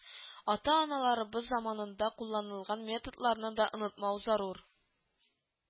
Ата-аналарыбыз заманында кулланылган методларны да онытмау зарур